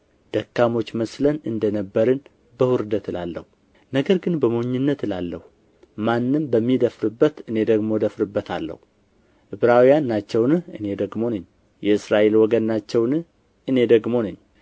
ደካሞች መስለን እንደ ነበርን በውርደት እላለሁ ነገር ግን በሞኝነት እላለሁ ማንም በሚደፍርበት እኔ ደግሞ እደፍርበታለሁ ዕብራውያን ናቸውን እኔ ደግሞ ነኝ የእስራኤል ወገን ናቸውን እኔ ደግሞ ነኝ